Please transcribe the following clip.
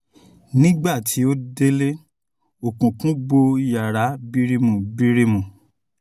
Nígbà tí ó délé, òkùnkùn bo iyàrá birimùbirimù.